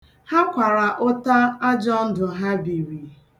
Ha kwara ụta ajọ ndụ ha biri.